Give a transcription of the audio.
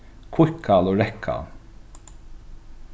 hvítkál og reyðkál